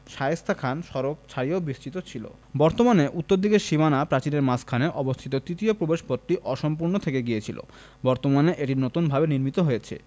শায়েস্তা খান সড়ক ছাড়িয়েও বিস্তৃত ছিল বর্তমানে উত্তর দিকের সীমানা প্রাচীরের মাঝখানে অবস্থিত তৃতীয় প্রবেশপথটি অসম্পূর্ণ থেকে গিয়েছিল বর্তমানে এটি নতুনভাবে নির্মিত হয়েছে